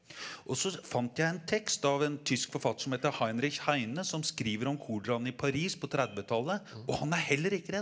og så fant jeg en tekst av en tysk forfatter som heter Heinrich Heine som skriver om koleraen i Paris på trettitallet og han er heller ikke redd.